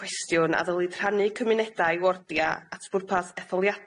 Diolch.